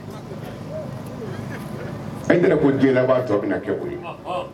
An yɛrɛ ko den'a tɔ bɛ na kɛ o ye